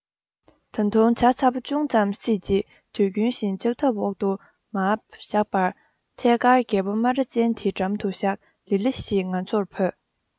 ད དུང ཇ ཚ པོ ཅུང ཙམ བསྲེས རྗེས དུས རྒྱུན བཞིན ལྕགས ཐབ འོག ཏུ མ བཞག པར ཐད ཀར རྒད པོ སྨ ར ཅན དེའི འགྲམ དུ བཞག ལི ལི ཞེས ང ཚོར བོས